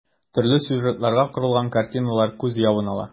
Төрле сюжетларга корылган картиналар күз явын ала.